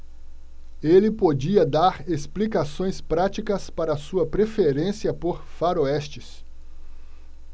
ele podia dar explicações práticas para sua preferência por faroestes